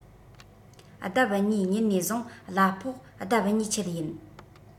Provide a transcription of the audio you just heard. ལྡབ གཉིས ཉིན ནས བཟུང གླ ཕོགས ལྡབ གཉིས ཆེད ཡིན